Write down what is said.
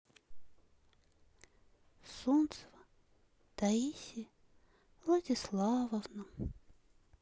солнцева таисия владиславовна